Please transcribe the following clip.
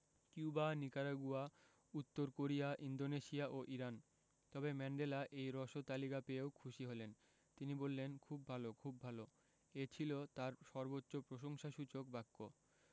Cuba Nicaragua উত্তর Korea Indonesia ও Iran তবে ম্যান্ডেলা এই হ্রস্ব তালিকা পেয়েও খুশি হলেন তিনি বললেন খুব ভালো খুব ভালো এ ছিল তাঁর সর্বোচ্চ প্রশংসাসূচক বাক্য